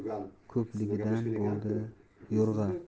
yuki ko'pligidan bo'ldi yo'rg'a